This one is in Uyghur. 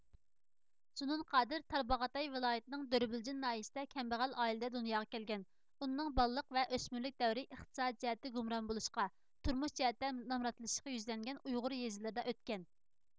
زۇنۇن قادىر تارباغاتاي ۋىلايىتىنىڭ دۆربىلجىن ناھىيىسىدە كەمبەغەل ئائىلىدە دۇنياغا كەلگەن ئۇنىڭ بالىلىق ۋە ئۆسمۈرلۈك دەۋرى ئىقتىسادىي جەھەتتە گۇمران بولۇشقا تۇرمۇش جەھەتتە نامراتلىشىشقا يۈزلەنگەن ئۇيغۇر يېزىلىرىدا ئۆتكەن